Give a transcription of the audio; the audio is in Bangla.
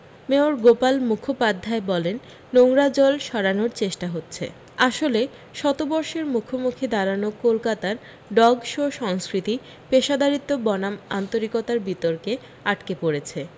মেয়র গোপাল মুখোপাধ্যায় বলেন নোংরা জল সরানোর চেষ্টা হচ্ছে আসলে শতবর্ষের মুখোমুখি দাঁড়ানো কলকাতার ডগ শো সংস্কৃতি পেশাদারিত্ব বনাম আন্তরিকতার বিতর্কে আটকে পড়েছে